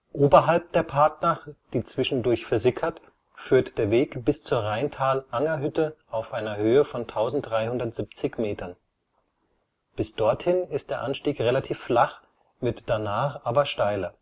Oberhalb der Partnach, die zwischendurch versickert, führt der Weg bis zur Reintalangerhütte (1370 m). Bis dorthin ist der Anstieg relativ flach, wird danach aber steiler